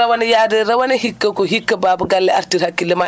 rawane yaade rawane hikka ko hikka baaba galle artir hakkille ma